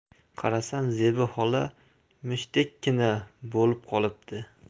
qarasam zebi xola mushtdekkina bo'lib qolibdi